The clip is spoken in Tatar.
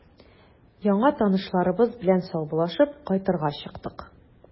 Яңа танышларыбыз белән саубуллашып, кайтырга чыктык.